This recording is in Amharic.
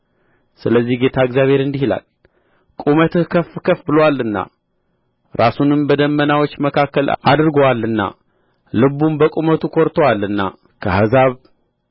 ስለዚህ ጌታ እግዚአብሔር እንዲህ ይላል ቁመትህ ከፍ ከፍ ብሎአልና ራሱንም በደመናዎች መካከል አድርጎአልና ልቡም በቁመቱ ኰርቶአልና ከአሕዛብ